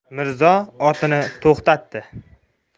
mirzo otini to'xtatdi